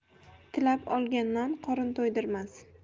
tilab olgan non qorin to'ydirmas